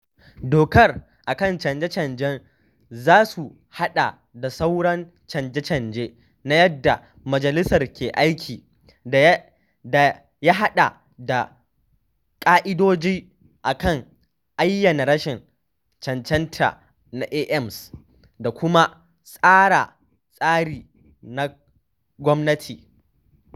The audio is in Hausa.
Dokar a kan canje-canjen za su haɗa da sauran canje-canje na yadda majalisar ke aiki, da ya haɗa da ƙa’idoji a kan ayyana rashin cancanta na AMs da kuma tsara tsari na kwamitin.